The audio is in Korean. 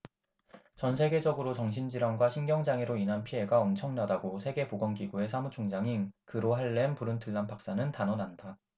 전 세계적으로 정신 질환과 신경 장애로 인한 피해가 엄청나다고 세계 보건 기구의 사무총장인 그로 할렘 브룬틀란 박사는 단언한다